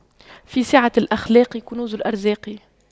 في سعة الأخلاق كنوز الأرزاق